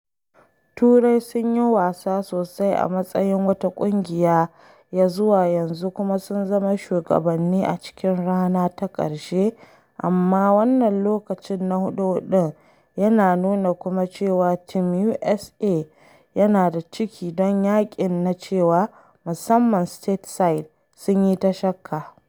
Turai sun yi wasa sosai a matsayin wata ƙungiya ya zuwa yanzu kuma sun zama shugabanni a cikin rana ta ƙarshe amma wannan lokacin na huɗu-huɗun yana nuna kuma cewa Team USA yana da ciki don yaƙin na cewa, musamman Stateside, sun yi ta shakka.